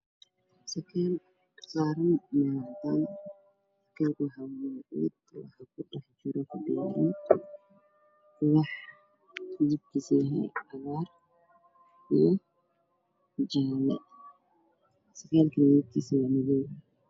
Waa ubax waxa uu ku jiraa sakaal midabkiisu yahay midooday midabkiisa waa cagaarka darbiga waa cadaan